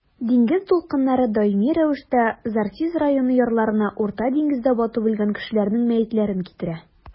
Диңгез дулкыннары даими рәвештә Зарзис районы ярларына Урта диңгездә батып үлгән кешеләрнең мәетләрен китерә.